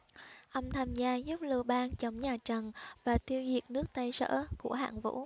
ông tham gia giúp lưu bang chống nhà tần và tiêu diệt nước tây sở của hạng vũ